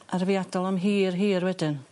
Aru fi adal o am hir hir wedyn.